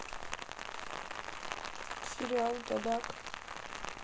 сериал голяк